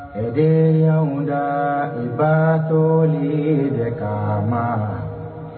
E dee y'anw daa i baatoolii de kamaa